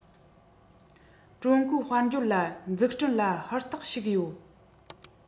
ཀྲུང གོའི དཔལ འབྱོར ལ འཛུགས སྐྲུན ལ ཧུར ཐག ཞུགས ཡོད